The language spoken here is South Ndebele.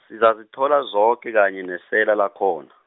sizazithola zoke kanye nesela lakhona.